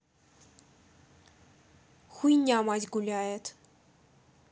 хуйня мать гуляет